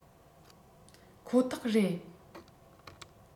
ཁོ ཐག རེད